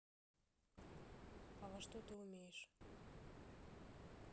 а во что ты умеешь